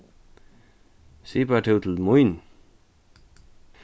sipar tú til mín